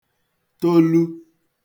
tolu